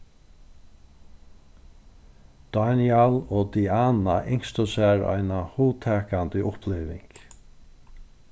dánjal og diana ynsktu sær eina hugtakandi uppliving